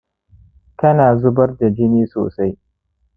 kana zubar da jini sosai